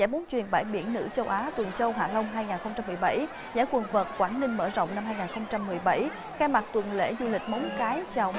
giải bóng chuyền bãi biển nữ châu á tuần châu hạ long hai ngàn không trăm mười bảy giải quần vợt quảng ninh mở rộng năm hai ngàn không trăm mười bảy khai mạc tuần lễ du lịch móng cái chào